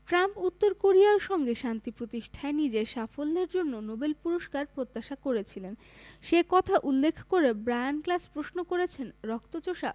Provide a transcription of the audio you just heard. Trump উত্তর কোরিয়ার সঙ্গে শান্তি প্রতিষ্ঠায় নিজের সাফল্যের জন্য নোবেল পুরস্কার প্রত্যাশা করেছিলেন সে কথা উল্লেখ করে ব্রায়ান ক্লাস প্রশ্ন করেছেন রক্তচোষা